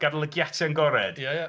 Gadael y giatau yn 'gored... Ie, ie.